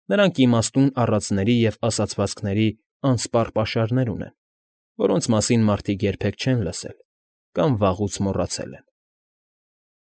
Նրանք իմաստուն առածների ու ասացվածքների անսպառ պաշար ունեն, որոնց մասին մարդիկ երբեք չեն լսել կամ վաղուց մոռացել են։